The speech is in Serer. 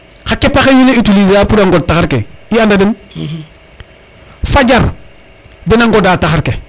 xa kepa xe wiin we utiliser pour a ŋod taxar ke i anda den fajar dena ŋoda taxar ke